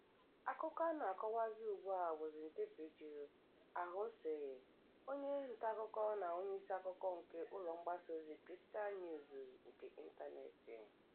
Akụkọ a na-akọkwazi ugbu a bụzi nke Virgile Ahouansè, onye ntaakụkọ na onye isi akụkọ nke ụlọ mgbasaozi 'Crystal News' nke ịntanetị.